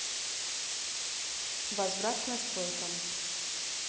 возврат к настройкам